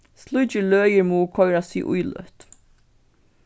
slíkir løgir mugu koyrast í íløt